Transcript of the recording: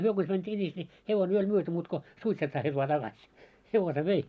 he konsa meni sinis niin hevonen jo oli myyty muuta kuin suitset saatiin vain takaisin hevosen vei